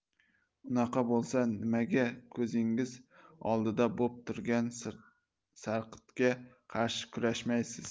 unaqa bo'lsa nimaga ko'zingizning oldida bo'p turgan sarqitga qarshi kurashmaysiz